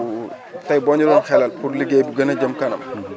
donc tey boo ñu doon xelal pour liggéey bi gën a jëm kanam